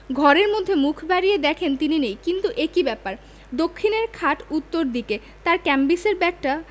ঘরের মধ্যে মুখ বাড়িয়ে দেখেন তিনি নেই কিন্তু এ কি ব্যাপার দক্ষিণ দিকের খাট উত্তর দিকে তাঁর ক্যাম্বিসের ব্যাগটা